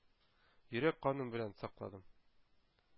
Йөрәк каным белән сакладым.